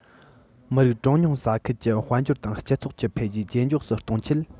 མི རིགས གྲངས ཉུང ས ཁུལ གྱི དཔལ འབྱོར དང སྤྱི ཚོགས ཀྱི འཕེལ རྒྱས ཇེ མགྱོགས སུ གཏོང ཆེད